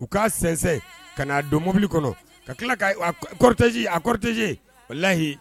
U ka sinsɛn ka na'a don mobili kɔnɔ ka tila ka kɔrɔtese a kɔrɔtɛze o layi